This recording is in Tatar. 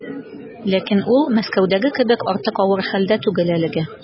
Ләкин ул Мәскәүдәге кебек артык авыр хәлдә түгел әлегә.